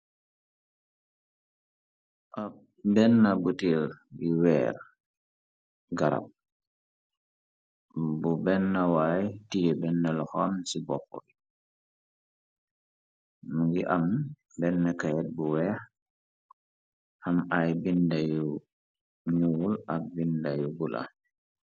Abbenna butiir yi weer garab bu bennawaay tié benn l xom ci box yi ngi am benn kayet bu weex am ay binda yu nuwul ak binda yu bula